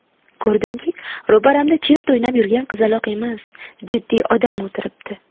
ko'rdimki ro'paramda cherta o'ynab yurgan qizaloq emas jiddiy odam o'tiribdi